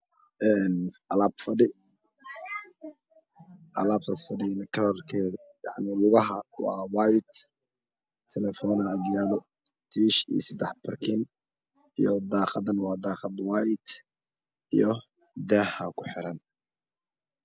Een alaab fadhi lugajeeda waa cadaan talefonaa agyaalo tiish daaqadane dahaa kuxiran